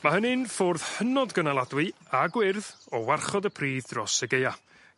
Ma' hynny'n ffwrdd hynod gynaladwy a gwyrdd o warchod y pridd dros y gaea.